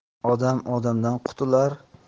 odam odamdan qutular